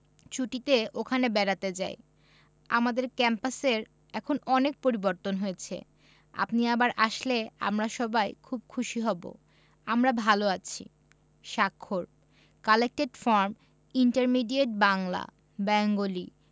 ছুটিতে ওখানে বেড়াতে যাই আমাদের ক্যাম্পাসের এখন অনেক পরিবর্তন হয়েছে আপনি আবার আসলে আমরা সবাই খুব খুশি হব আমরা ভালো আছি স্বাক্ষর collected from intermediate Bangla Bengali